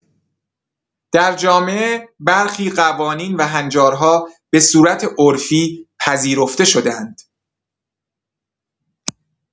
در جامعه برخی قوانین و هنجارها به صورت عرفی پذیرفته شده‌اند.